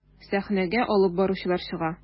Сәхнәгә алып баручылар чыга.